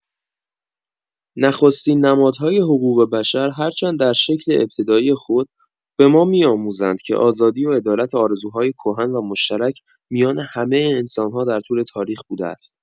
نخستین نمادهای حقوق‌بشر، هرچند در شکل ابتدایی خود، به ما می‌آموزند که آزادی و عدالت آرزوهایی کهن و مشترک میان همه انسان‌ها در طول تاریخ بوده است.